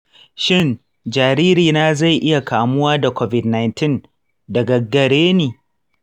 shin jaririna zai iya kamuwa da covid-19 daga gare ni?